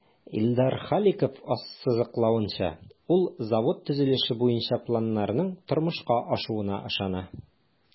Илдар Халиков ассызыклавынча, ул завод төзелеше буенча планнарның тормышка ашуына ышана.